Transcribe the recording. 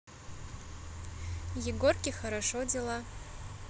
егорки хорошо дела